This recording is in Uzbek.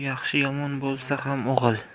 yaxshi yomon bo'lsa ham o'g'il